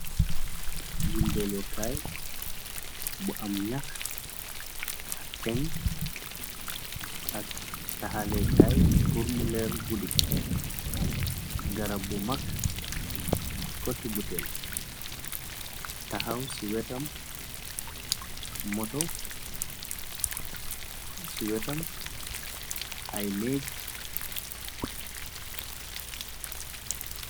Windelukaay bu am nyixa ak teng ak taxalekaay pur muleer guddi, garab bu mag, kott butel, taxaw ci wetam moto, ci wetam ay nék.